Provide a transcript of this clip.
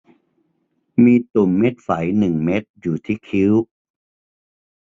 มีตุ่มเม็ดไฝหนึ่งเม็ดอยู่ที่คิ้ว